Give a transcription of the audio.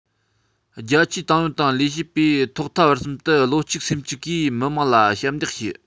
རྒྱ ཆེའི ཏང ཡོན དང ལས བྱེད པས ཐོག མཐའ བར གསུམ དུ བློ གཅིག སེམས གཅིག གིས མི དམངས ལ ཞབས འདེགས ཞུ